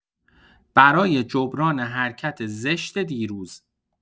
برای جبران حرکت زشت دیروز.